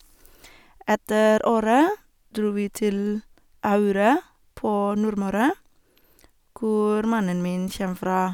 Etter Åre dro vi til Aure på Nordmøre, hvor mannen min kjem fra.